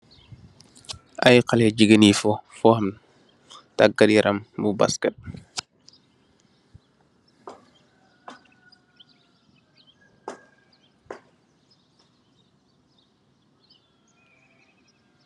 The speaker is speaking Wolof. Ay xale jigeen yi fo, foham tagat yaram bu basket